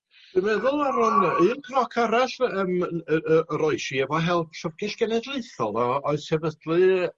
Dwi'n meddwl amdan un cnoc arall fy- yym yy yy y rois i efo help llyfrgell genedlaethol o- o- oedd sefydlu